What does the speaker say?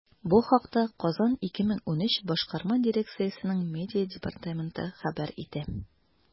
Бу хакта “Казан 2013” башкарма дирекциясенең медиа департаменты хәбәр итә.